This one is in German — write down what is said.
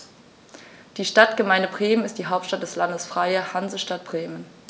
Die Stadtgemeinde Bremen ist die Hauptstadt des Landes Freie Hansestadt Bremen.